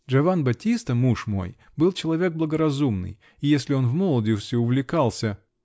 -- Джиован Баттиста, муж мой, был человек благоразумный -- и если он в молодости увлекался.